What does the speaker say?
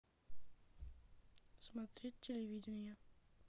смотреть телевидение